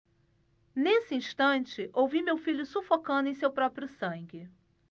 nesse instante ouvi meu filho sufocando em seu próprio sangue